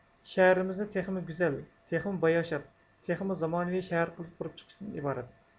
شەھىرىمىزنى تېخىمۇ گۈزەل تېخىمۇ باياشات تېخىمۇ زامانىۋى شەھەر قىلىپ قۇرۇپ چىقىشتىن ئىبارەت